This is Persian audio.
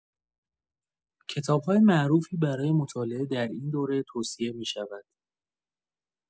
کتاب‌های معروفی برای مطالعه در این دوره توصیه می‌شود.